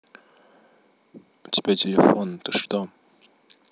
у тебя телефон ты что то